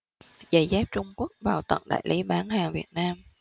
giày dép trung quốc vào tận đại lý bán hàng việt nam